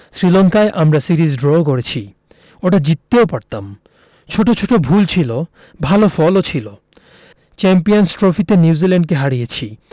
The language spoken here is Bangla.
শ্রীলঙ্কায় আমরা সিরিজ ড্র করেছি ওটা জিততেও পারতাম ছোট ছোট ভুল ছিল ভালো ফলও ছিল চ্যাম্পিয়নস ট্রফিতে নিউজিল্যান্ডকে হারিয়েছি